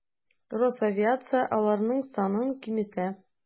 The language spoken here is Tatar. Росавиация аларның санын киметә.